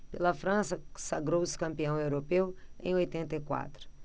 pela frança sagrou-se campeão europeu em oitenta e quatro